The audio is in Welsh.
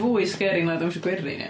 fwy sgeri na dawnsio gwerin ia.